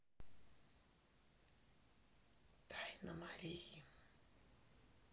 тайна марии